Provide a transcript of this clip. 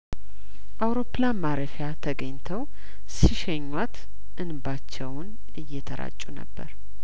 አውሮፕላን ማረፊያ ተገኝተው ሲሸኟት እንባቸውን እየተራጩ ነበር